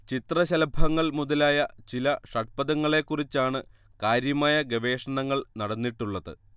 ചിത്രശലഭങ്ങൾ മുതലായ ചില ഷഡ്പദങ്ങളേക്കുറിച്ചാണ് കാര്യമായ ഗവേഷണങ്ങൾ നടന്നിട്ടുള്ളത്